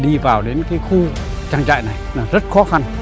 đi vào đến cái khu trang trại này là rất khó khăn